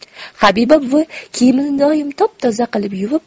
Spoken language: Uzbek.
habiba buvi kiyimini doim top toza qilib yuvib